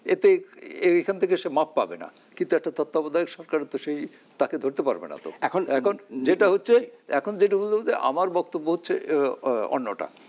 এতে এখান থেকে সে মাফ পাবে না কিন্তু একটা তত্ত্বাবধায়ক সরকার কিন্তু তাকে ধরতে পারবেনা কিন্তু এখন এখন যেটা হচ্ছে যেটা হচ্ছে আমার বক্তব্য হচ্ছে অন্যটা